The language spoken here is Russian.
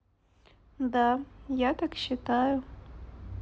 да я так считаю